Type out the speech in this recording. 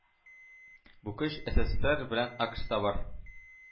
Бу көч эсэсэсэр белән акышта бар,